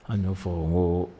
An' ɲ'o fɔ o ŋoo